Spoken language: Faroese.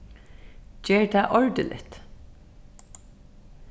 ger tað ordiligt